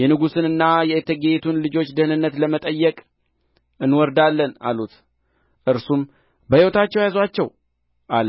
የንጉሡንና የእቴጌይቱን ልጆች ደኅንነት ለመጠየቅ እንወርዳለን አሉት እርሱም በሕይወታቸው ያዙአቸው አለ